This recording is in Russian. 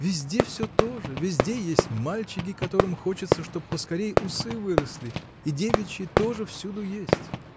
Везде всё то же: везде есть мальчики, которым хочется, чтоб поскорей усы выросли, и девичьи тоже всюду есть.